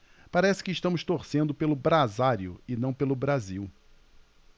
parece que estamos torcendo pelo brasário e não pelo brasil